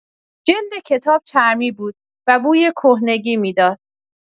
جلد کتاب چرمی بود و بوی کهنگی می‌داد.